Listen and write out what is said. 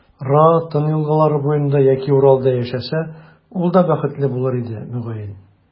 Ра, Тын елгалары буенда яки Уралда яшәсә, ул да бәхетле булыр иде, мөгаен.